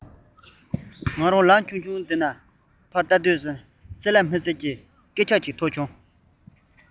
ང རང སྲང ལམ ན ཉུལ བཞིན གསལ ལ མི གསལ བའི སྐད ཅོར ཐོས